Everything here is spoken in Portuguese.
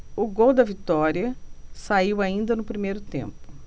o gol da vitória saiu ainda no primeiro tempo